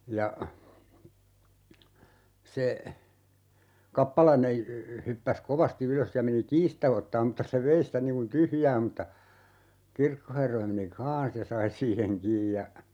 ja se kappalainen hyppäsi kovasti ylös ja meni kiinni sitä ottamaan mutta se vei sitä niin kuin tyhjää mutta kirkonherra meni kanssa ja sai siihen kiinni ja